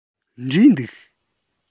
འབྲས འདུག